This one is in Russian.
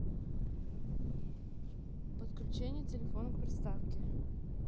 подключение телефона к приставке